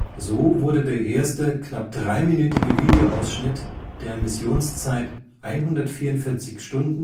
So wurde der erste knapp dreiminütige Videoausschnitt der Missionszeit 144:46:38